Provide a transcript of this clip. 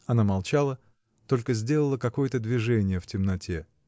Она молчала, только сделала какое-то движение в темноте.